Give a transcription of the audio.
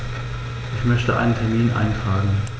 Ich möchte einen Termin eintragen.